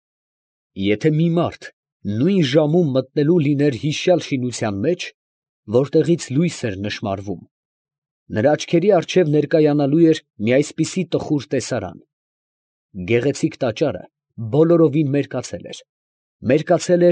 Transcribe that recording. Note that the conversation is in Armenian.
Եթե մի մարդ նույն ժամում մտնելու լիներ հիշյալ շինության մեջ, որտեղից լույս էր նշմարվում, նրա աչքերի առջև ներկայանալու էր մի այսպիսի տխուր տեսարան, ֊ գեղեցիկ տաճարը բոլորովին մերկացել։